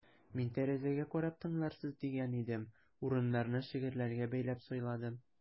Мин тәрәзәгә карап тыңларсыз дигән идем: урыннарны шигырьләргә бәйләп сайладым.